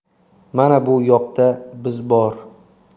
mana bu yoqda biz bor